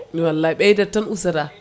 wallay ɓeydat tan ustata